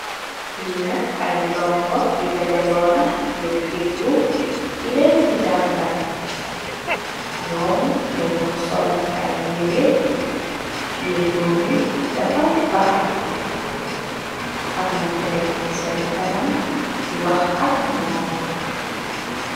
Lii nak ay Ndongo yu dajalo la ngir deglo ki liin di jangal, nyuum danyo sol ay yeere, wergo bi dafa baxa, amna ko neeke si seen kanam di waax ak nyom